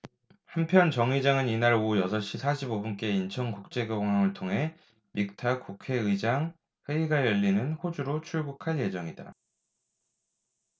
한편 정 의장은 이날 오후 여섯 시 사십 오 분께 인천국제공항을 통해 믹타 국회의장 회의가 열리는 호주로 출국할 예정이다